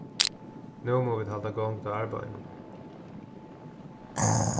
nú mugu vit halda gongd á arbeiðinum